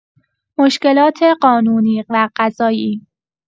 مشکلات قانونی و قضایی